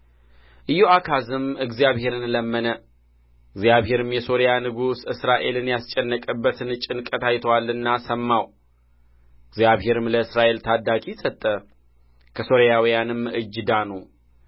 ኢዮአካዝም እግዚአብሔርን ለመነ እግዚአብሔርም የሶርያ ንጉሥ እስራኤልን ያስጨነቀበትን ጭንቀት አይቶአልና ሰማው እግዚአብሔርም ለእስራኤል ታዳጊ ሰጠ ከሶርያውያንም እጅ ዳኑ